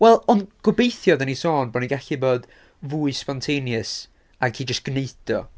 Wel, ond gobeithio, dan ni'n sôn, bod ni'n gallu bod fwy sbontaneous ac i jyst gwneud o.